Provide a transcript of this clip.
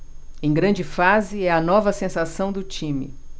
em grande fase é a nova sensação do time